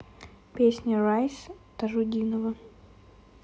песня rise тажудинова